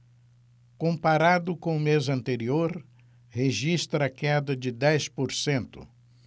comparado com o mês anterior registra queda de dez por cento